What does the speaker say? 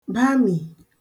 -bàmì